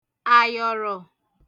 àyọ̀rọ̀